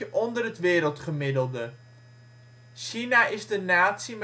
onder het wereldgemiddelde. China is de natie